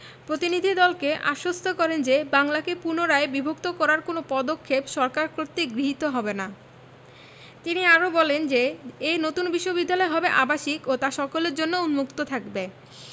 প্রতিনিধিদলকে আশ্বস্ত করেন যে বাংলাকে পুনরায় বিভক্ত করার কোনো পদক্ষেপ সরকার কর্তৃক গৃহীত হবে না তিনি আরও বলেন যে এ নতুন বিশ্ববিদ্যালয় হবে আবাসিক এবং তা সকলের জন্য উন্মুক্ত থাকবে